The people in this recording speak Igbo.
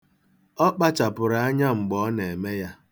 Ọ kpachapụrụ anya mgbe ọ na-eme.